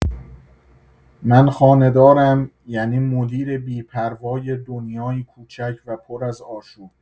من خانه‌دارم، یعنی مدیر بی‌پروای دنیایی کوچک و پر از آشوب.